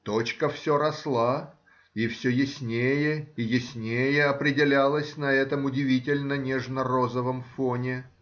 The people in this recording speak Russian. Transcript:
точка все росла и все яснее и яснее определялась на этом удивительно нежно-розовом фоне.